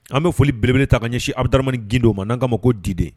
An bɛ foli bb ta ka ɲɛsin a bɛdamamani gdo o ma n an ka ma ko dide